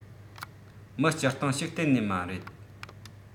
མི སྤྱིར བཏང ཞིག གཏན ནས མ རེད